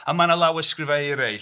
A mae 'na lawysgrifau eraill.